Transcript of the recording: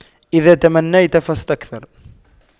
إذا تمنيت فاستكثر